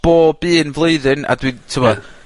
bob un flwyddyn, a dwi'n t'mod?